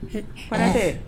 <